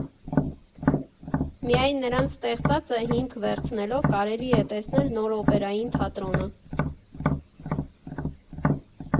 Միայն նրանց ստեղծածը հիմք վերցնելով կարելի է տեսնել նոր Օպերային թատրոնը։